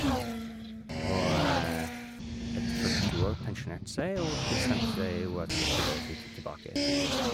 Og etter førtito år pensjonerte seg og bestemte seg jo at hun skulle flytte tilbake til USA.